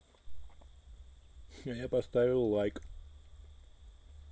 а я поставил лайк